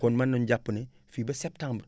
kon mën nañu jàpp ne fii ba septembre